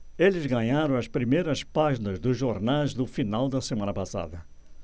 eles ganharam as primeiras páginas dos jornais do final da semana passada